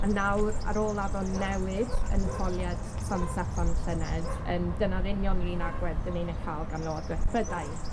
A nawr, ar ôl addo newid yn etholiad San Steffan llynedd, yym dyna'r union 'r un agwedd 'dyn ni'n ei cha'l gan Lywodreth Prydain.